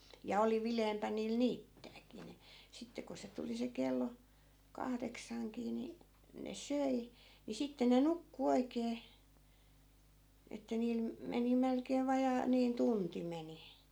ja oli viileämpää niillä niittääkin niin sitten kun se tuli se kello kahdeksankin niin ne söi niin sitten ne nukkui oikein että niillä - meni melkein vajaa niin tunti meni